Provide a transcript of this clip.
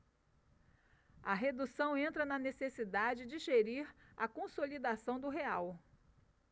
a redução entra na necessidade de gerir a consolidação do real